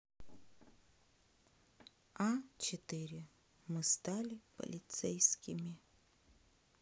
а четыре мы стали полицейскими